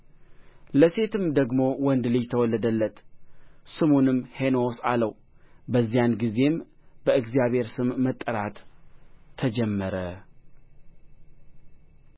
ለሴት ደግሞ ወንድ ልጅ ተወለደለት ስሙንም ሄኖስ አለው በዚያን ጊዜም በእግዚአብሔር ስም መጠራት ተጀመረ